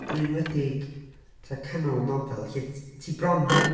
Yn enwedig tua canol y nofel lle t- ti bron ddim...